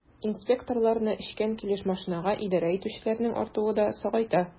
Инспекторларны эчкән килеш машинага идарә итүчеләрнең артуы да сагайта.